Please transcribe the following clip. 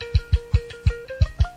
Sanunɛgɛnin yo